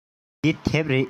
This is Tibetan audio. འདི དེབ རེད